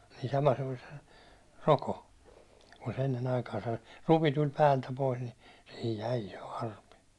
niin sama se oli sen rokon kun se ennen aikaansa rupi tuli päältä pois niin siihen jäi jo arpi